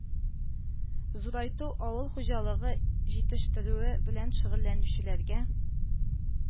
Зурайту, авыл хуҗалыгы җитештерүе белән шөгыльләнүчеләргә